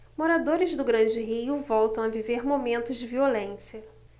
moradores do grande rio voltam a viver momentos de violência